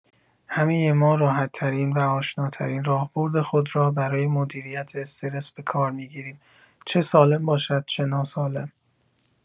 همه ما راحت‌ترین و آشناترین راهبرد خود را برای مدیریت استرس به کار می‌گیریم، چه سالم باشد چه ناسالم.